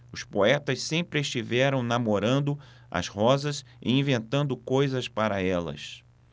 os poetas sempre estiveram namorando as rosas e inventando coisas para elas